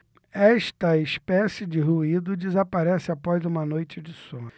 esta espécie de ruído desaparece após uma noite de sono